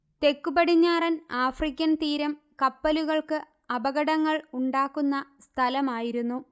തെക്കുപടിഞ്ഞാറൻ ആഫ്രിക്കൻ തീരം കപ്പലുകൾക്ക് അപകടങ്ങൾ ഉണ്ടാക്കുന്ന സ്ഥലമായിരുന്നു